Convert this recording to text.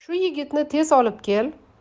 shu yigitni tez olib kel